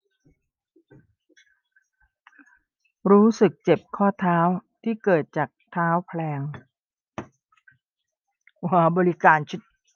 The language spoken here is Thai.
รู้สึกเจ็บข้อเท้าที่เกิดจากเท้าแพลง